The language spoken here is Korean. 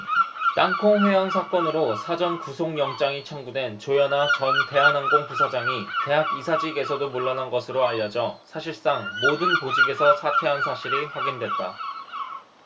땅콩 회항 사건으로 사전 구속영장이 청구된 조현아 전 대한항공 부사장이 대학 이사직에서도 물러난 것으로 알려져 사실상 모든 보직에서 사퇴한 사실이 확인됐다